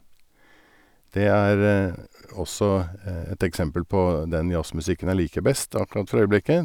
Det er også et eksempel på den jazzmusikken jeg liker best akkurat for øyeblikket.